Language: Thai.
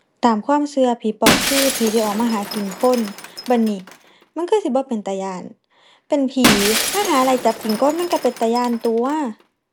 ตามความเชื่อผีปอบคือผีที่ออกมาหากินคน บัดนี้ มันคือสิบ่เป็นตาย้าน เป็นผีมาหาไล่จับกินคน มันเชื่อเป็นตาย้านตั่ว